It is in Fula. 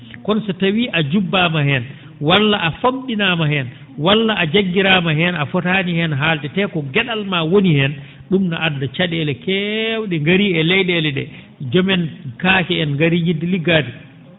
kono so tawii a jubbaama heen walla a fam?inaama heen walla a jaggiraama heen a fotaani heen haalde te ko ge?al maa woni heen ?um no adda ca?eele keew?e ngarii e ley?eele ?ee joomum en kaake en ngari yi?de liggaade